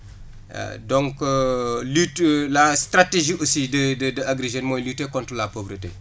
waaw donc lutte la stratégie aussi de de de Agri Jeunes mooy lutter contre la pauvreté